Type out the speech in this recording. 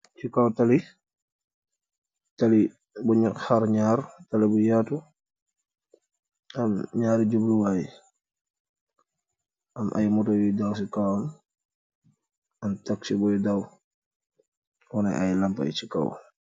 Ci kaw tali bu ñu xar ñaar tali bu yaatu am naari jubluwaay am ay moto yu daw ci kawam am taxsi bui daw wone ay lampay ci kaw.